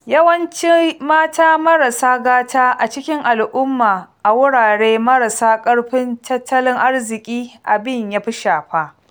Yawanci mata marasa gata a cikin al'umma a wurare marasa ƙarfin tattalin arziƙi abin ya fi shafa.